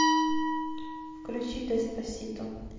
включи деспасито